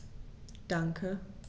Danke.